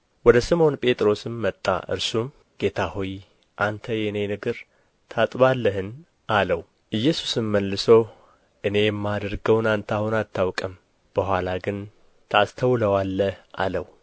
ወደ ስምዖን ጴጥሮስም መጣ እርሱም ጌታ ሆይ አንተ የእኔን እግር ታጥባለህን አለው ኢየሱስም መልሶ እኔ የማደርገውን አንተ አሁን አታውቅም በኋላ ግን ታስተውለዋለህ አለው